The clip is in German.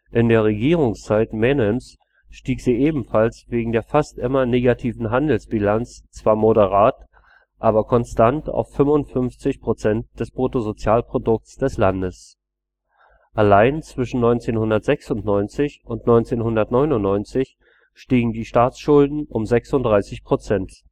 In der Regierungszeit Menems stieg sie ebenfalls wegen der fast immer negativen Handelsbilanz zwar moderat, aber konstant auf etwa 55 % des Bruttosozialprodukts des Landes. Allein zwischen 1996 und 1999 stiegen die Staatsschulden um 36 %